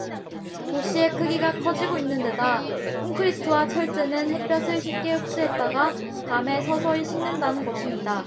도시의 크기가 커지고 있는 데다 콘크리트와 철재는 햇볕을 쉽게 흡수했다가 밤에 서서히 식는다는 것입니다